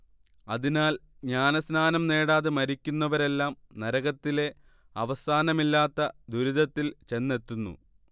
അതിനാൽ ജ്ഞാനസ്നാനം നേടാതെ മരിക്കുന്നവരെല്ലാം നരകത്തിലെ അവസാനമില്ലാത്ത ദുരിതത്തിൽ ചെന്നെത്തുന്നു